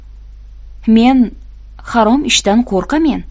men harom ishdan qo'rqamen